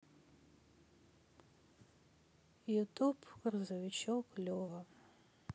ютуб грузовичок лева